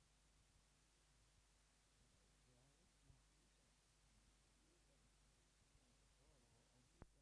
oletteko te luotolaista tehnyt